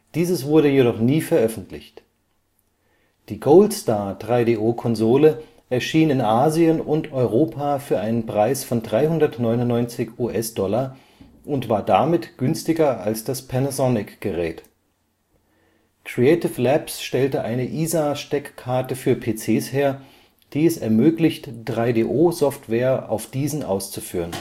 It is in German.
Dieses wurde jedoch nie veröffentlicht. Die Goldstar 3DO-Konsole erschien in Asien und Europa für einen Preis von 399$ und war damit günstiger als das Panasonic-Gerät. Creative Labs stellte eine ISA-Steckkarte für PCs her, die es ermöglicht, 3DO-Software auf diesen auszuführen